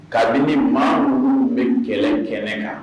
Kabini maa minnu bɛ kɛlɛ in kɛlɛ kan